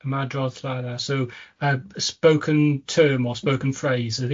Mae droddfa yna so, yy spoken term or spoken phrase ydy?